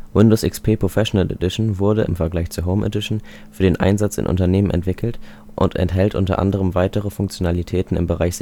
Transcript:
Windows XP Professional Edition wurde, im Vergleich zur Home Edition, für den Einsatz in Unternehmen entwickelt und enthält unter anderem erweiterte Funktionalitäten im Bereich Sicherheit